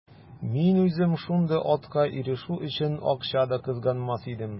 Мин үзем шундый атка ирешү өчен акча да кызганмас идем.